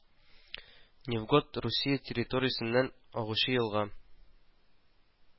Невгот Русия территориясеннән агучы елга